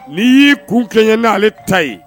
Nin y'i kun kɛɲɛ n' ale ta ye